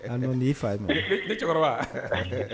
N'i fa' ne cɛkɔrɔba